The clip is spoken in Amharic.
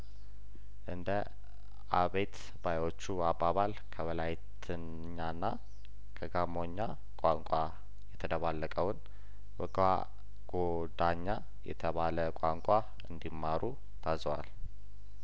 እንደ አቤት ባዮቹ አባባል ከወላይትኛና ከጋሞኛ ቋንቋ የተደባለቀውን ወጋጐዳኛ የተባለ ቋንቋ እንዲማሩ ታዘዋል